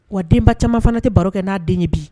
Wa denba caman fana tɛ baro kɛ na den ye bi.